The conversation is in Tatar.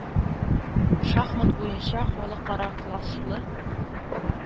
Шахмат буенча халыкара класслы